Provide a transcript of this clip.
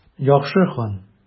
Яхшы, хан.